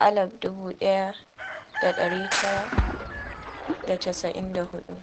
1994.